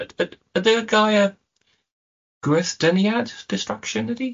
Yd- yd- ydi'r gair gwethdyniad distraction ydi?